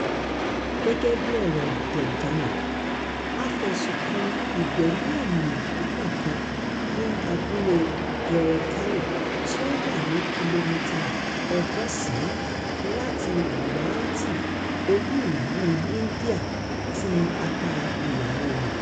Gẹ́gẹ́ bí ọ̀rọ̀ọ Debjani, a f'ẹ̀sùn-un ìgbẹ̀mí ènìyàn púpọ̀ kàn án ní abúlée Cherekali tí ó wà ní kìlómità 180 láti Guwahati, olú-ìlúu India ti apáa ìlà-oòrùn.